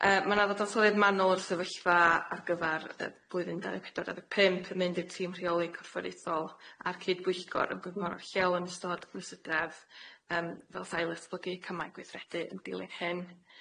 Yy ma' na ddadansoddiad manwl o'r sefyllfa ar gyfar yy blwyddyn dau ddeg pedwar adeg pump yn mynd i'r tîm rheoli corfforaethol a'r cydbwyllgor yn awgymorol lleol yn ystod gwlysydredd yym fel sail esblygu cymau gweithredu yn dilyn hyn.